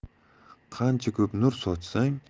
qancha ko'p nur sochsang